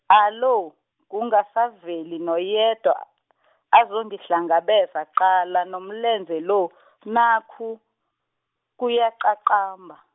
alo, kungasaveli noyedwa , azongihlangabeza qala nomlenze lo , nakhu, kuyaqaqamba.